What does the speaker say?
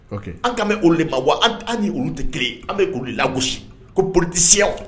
An' bɛ olu de ma wa an ni olu tɛ kelen an bɛ olu lago ko boli tɛsiya